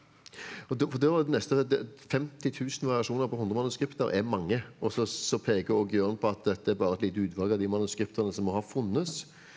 for da for da er det neste 50000 variasjoner på 100 manuskripter er mange og så så peker òg Jørn på at dette bare er et lite utvalg av de manuskriptene som har funnes.